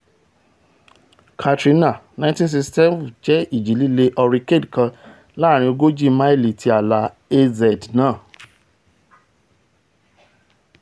Katrina (1967) jẹ́ ìjì-líle hurricane kan laàrin ogójì máìlì ti ààlà AZ náà.''